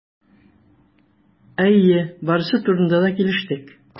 Әйе, барысы турында да килештек.